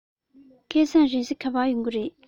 སྐལ བཟང རེས གཟའ ག པར ཡོང གི རེད